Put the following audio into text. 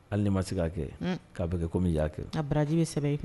Hali ma se k'a kɛ k'a bɛ kɛ komi y'a kɛ a baraji bɛ sɛbɛn